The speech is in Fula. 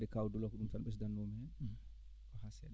wadde kaw Doula ko ɗum tan ɓesdatnoomi heen